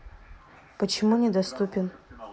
почему недоступен